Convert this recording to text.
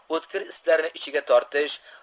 o'tkir islarni ichiga tortish